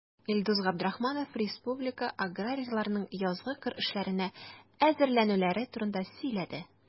Илдус Габдрахманов республика аграрийларының язгы кыр эшләренә әзерләнүләре турында сөйләде.